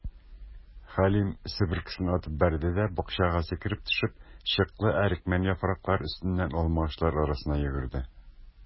Хәлим, себеркесен атып бәрде дә, бакчага сикереп төшеп, чыклы әрекмән яфраклары өстеннән алмагачлар арасына йөгерде.